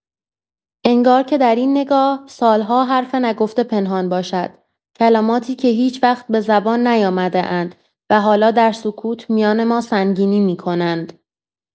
انگار که در این نگاه، سال‌ها حرف نگفته پنهان باشد، کلماتی که هیچ‌وقت به زبان نیامده‌اند و حالا در سکوت میان ما سنگینی می‌کنند.